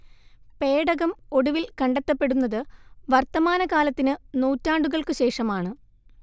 പേടകം ഒടുവിൽ കണ്ടെത്തപ്പെടുന്നത് വർത്തമാനകാലത്തിന് നൂറ്റാണ്ടുകൾക്ക് ശേഷമാണ്